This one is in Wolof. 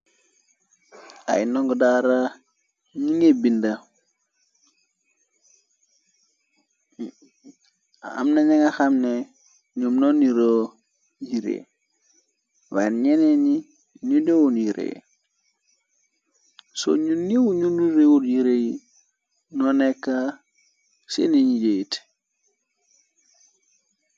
Ay ndong daara ñi ngé bind amna ñanga xamné ñoom nonni roo yirée way ñene ñi ñu dewon yi rée so ñu niiw ñunu réewur yirey noo nekka seeni ñi jéete.